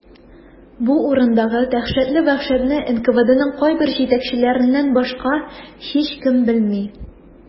Бу урындагы дәһшәтле вәхшәтне НКВДның кайбер җитәкчеләреннән башка һичкем белми.